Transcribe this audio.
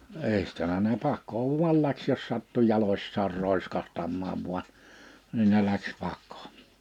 edestähän ne pakoon vain lähti jos sattui jaloissakin roiskahtamaan vain niin ne lähti pakoon